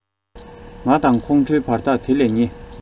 ང དང ཁོང ཁྲོའི བར ཐག དེ ལས ཉེ